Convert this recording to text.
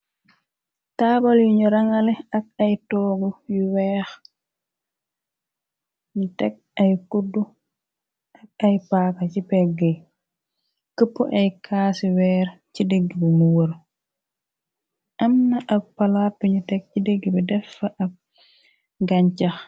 taabal yuñu rangale ak ay toogu yu weex ñu teg ay kudd ak ay paaka ci pegg y këpp ay kaasi weer ci digg bu mu wër am na ab palaatu nu teg ci digg bi deffa ab gañcax